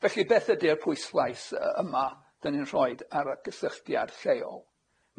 Felly beth ydi'r pwyslais yy yma 'dyn ni'n rhoid ar y gysylltiad lleol?